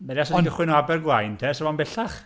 Meddylia 'set ti'n dechrau o Abergwaun te 'sa fo'n bellach.